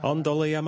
Ond o leia ma'...